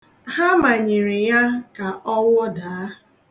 Ha manyere ya ka ọ wụdaa.